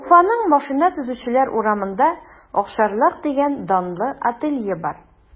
Уфаның Машина төзүчеләр урамында “Акчарлак” дигән данлы ателье бар.